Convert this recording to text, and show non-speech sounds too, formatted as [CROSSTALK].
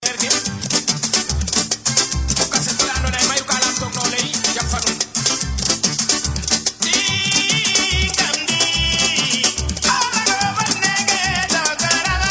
boobu 55 437 bi lañuy utiliser mooy variété courte bi n' est ce pas jii fuure bi parce que zone boobu bu ñu xoolee ci wàllu taw ah [HESITATION] zone boobu li muy taw en tout cas bëriwul